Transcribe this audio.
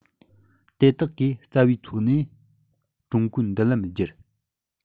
དེ དག གིས རྩ བའི ཐོག ནས ཀྲུང གོའི མདུན ལམ བསྒྱུར